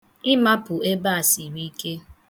Ịmapụ ebe a siri ike.